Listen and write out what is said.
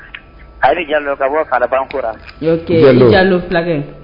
A jalo ka bɔ fara kora